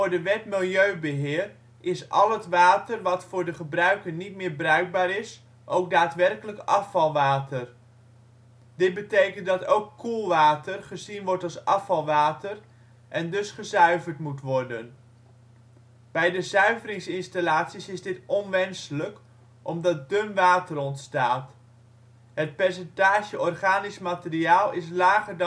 de Wet milieubeheer is al het water wat voor de gebruiker niet meer bruikbaar is ook daadwerkelijk afvalwater. Dit betekent dat ook koelwater gezien wordt als afvalwater en dus gezuiverd moet worden. Bij de zuiveringsinstallaties is dit onwenselijk omdat " dun " water ontstaat, het percentage organisch materiaal is lager